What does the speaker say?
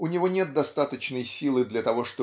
у него нет достаточной силы для того